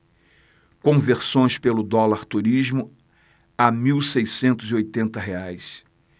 conversões pelo dólar turismo a mil seiscentos e oitenta reais